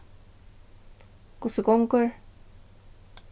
hvussu gongur